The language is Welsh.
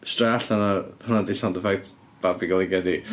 Straight allan o... Hwnna 'di sound effect babi'n gael ei geni.